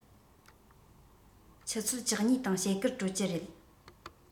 ཆུ ཚོད བཅུ གཉིས དང ཕྱེད ཀར གྲོལ གྱི རེད